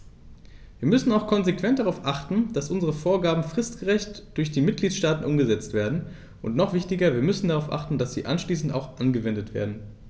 Wir müssen auch konsequent darauf achten, dass unsere Vorgaben fristgerecht durch die Mitgliedstaaten umgesetzt werden, und noch wichtiger, wir müssen darauf achten, dass sie anschließend auch angewendet werden.